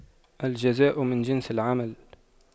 الجزاء من جنس العمل